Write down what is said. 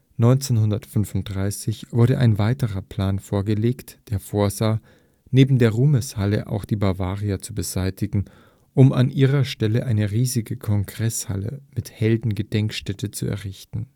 1935 wurde ein weiterer Plan vorgelegt, der vorsah, neben der Ruhmeshalle auch die Bavaria zu beseitigen, um an ihrer Stelle eine riesige Kongresshalle mit Heldengedenkstätte zu errichten